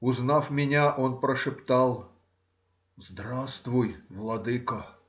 Узнав меня, он прошептал: — Здравствуй, владыко!